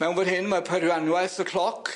Mewn fan hyn ma' periwanwaith y cloc.